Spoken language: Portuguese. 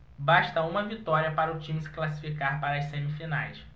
basta uma vitória para o time se classificar para as semifinais